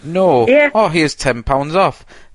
No. Ie. Oh here's ten pounds off.